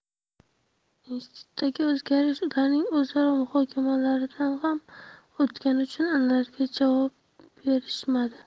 institutdagi o'zgarish ularning o'zaro muhokamalaridan ham o'tgani uchun anvarga javob berishmadi